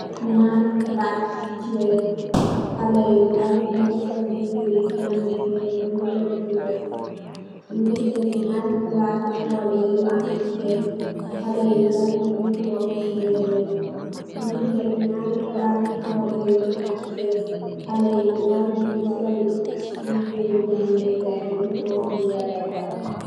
Nyaari palaati cheep, halle yu ndaw nyungi sol yereeh jangee kaay, nyungi took di leeka, nyungi tek nyaari palaati fooleh yu am cheep, halle yu ndaw nyungi took nyungee leeka.